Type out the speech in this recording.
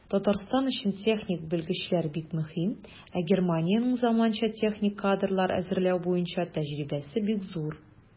Татарстан өчен техник белгечлекләр бик мөһим, ә Германиянең заманча техник кадрлар әзерләү буенча тәҗрибәсе бик зур.